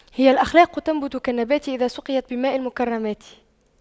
هي الأخلاق تنبت كالنبات إذا سقيت بماء المكرمات